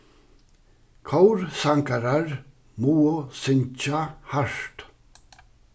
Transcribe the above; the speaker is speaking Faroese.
kórsangarar mugu syngja hart